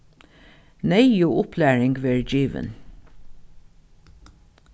neyðug upplæring verður givin